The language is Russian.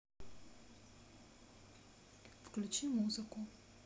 выключи музыку